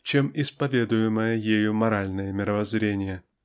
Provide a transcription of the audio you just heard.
чем исповедуемое ею моральное мировоззрение.